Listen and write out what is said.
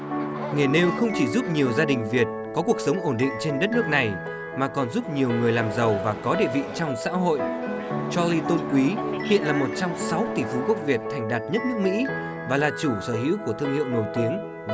nghề nêu không chỉ giúp nhiều gia đình việt có cuộc sống ổn định trên đất nước này mà còn giúp nhiều người làm giàu và có địa vị trong xã hội cho li tôn quý hiện là một trong sáu tỷ phú gốc việt thành đạt nhất nước mỹ và là chủ sở hữu của thương hiệu nổi tiếng